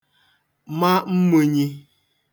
ma mmūnyī